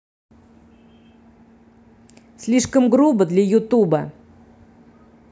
слишком грубо для youtube